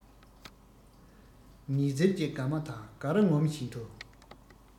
ཉི ཟེར གྱི དགའ མ དང དགར ངོམ བཞིན དུ